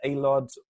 aelod